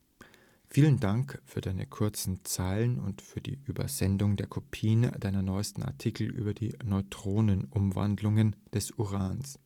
Vielen Dank für Deine kurzen Zeilen und für die Übersendung der Kopien Deiner neuesten Artikel über die Neutronenumwandlungen des Urans